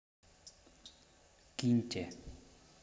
киньте